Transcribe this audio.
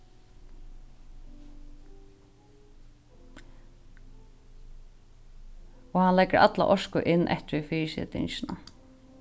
og hann leggur alla orku inn eftir í fyrisitingina